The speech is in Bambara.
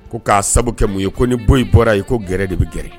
Ko k'a sabu kɛ mun ye ko ni bo yi bɔra ye ko gɛrɛ de bɛ gɛrɛ.